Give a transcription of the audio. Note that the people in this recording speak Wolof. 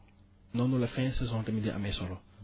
noonu la fin saison tamit di amee solo